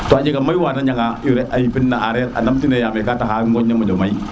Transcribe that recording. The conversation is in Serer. te a jega mayu wa ando na ye ga njanga urée a yipin na areen a ndam tine yaame ka taxa ŋoñ ne moƴo may